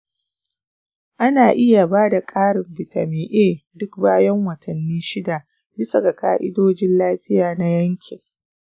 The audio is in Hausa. ana iya ba da ƙarin vitamin a duk bayan watanni shida bisa ga ƙa’idojin lafiya na yankin.